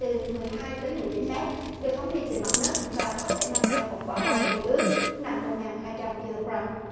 từ mười hai tới mười chín mét được phóng đi từ mặt đất và có thể mang theo một quả bom quy ước nặng một nghìn hai trăm ki lô gờ ram